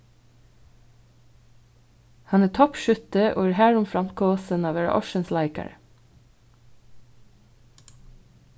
hann er toppskjútti og er harumframt kosin at vera ársins leikari